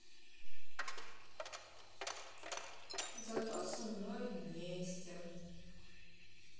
зато со мной вместе